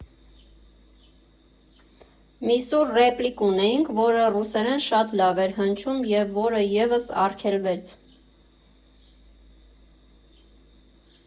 Մի սուր ռեպլիկ ունեինք, որը ռուսերեն շատ լավ էր հնչում և որը ևս արգելվեց.